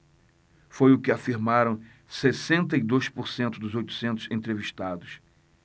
foi o que afirmaram sessenta e dois por cento dos oitocentos entrevistados